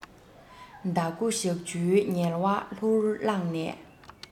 ཟླ དགུ ཞག བཅུའི ངལ བ ལྷུར བླངས ནས